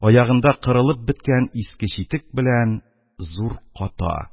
Аягында кырылып беткән иске читек белән зур ката,